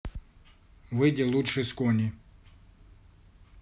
выйди лучше с кони